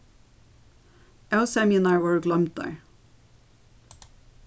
ósemjurnar vóru gloymdar